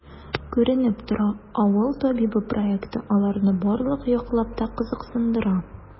Күренеп тора,“Авыл табибы” проекты аларны барлык яклап та кызыксындыра.